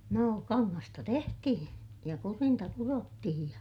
no kangasta tehtiin ja kudinta kudottiin ja